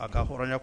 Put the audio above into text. A ka